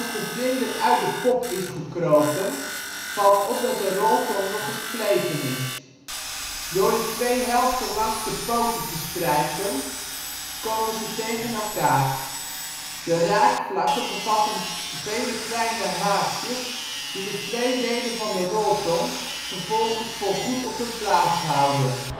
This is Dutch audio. de vlinder uit de pop is gekropen, valt op dat de roltong nog gespleten is. Door de twee helften langs de poten te strijken komen ze tegen elkaar. De raakvlakken bevatten vele kleine haakjes die de twee delen van de roltong vervolgens voorgoed op hun plaats houden